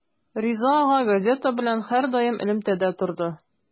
Риза ага газета белән һәрдаим элемтәдә торды.